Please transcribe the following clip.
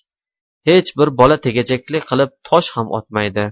hech bir bola tegajaklik qilib tosh ham otmaydi